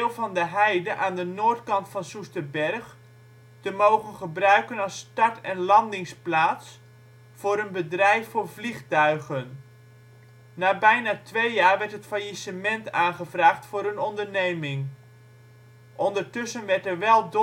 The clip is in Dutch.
van de heide aan de noordkant van Soesterberg te mogen gebruiken als start - en landingsplaats voor hun bedrijf voor vliegtuigen. Na bijna twee jaar werd het faillissement aangevraagd voor hun onderneming. Ondertussen werd er wel doorgevlogen